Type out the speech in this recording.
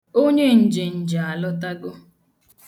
Onye njenje alọtago.